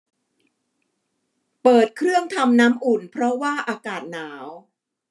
เปิดเครื่องทำน้ำอุ่นเพราะว่าอากาศหนาว